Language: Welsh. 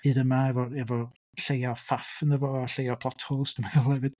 Hyd yma efo efo lleia o ffaff ynddo fo a lleia o plot holes dwi'n meddwl hefyd.